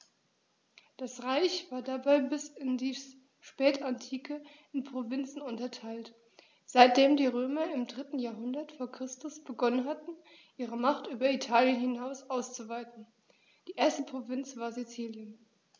Das Reich war dabei bis in die Spätantike in Provinzen unterteilt, seitdem die Römer im 3. Jahrhundert vor Christus begonnen hatten, ihre Macht über Italien hinaus auszuweiten (die erste Provinz war Sizilien).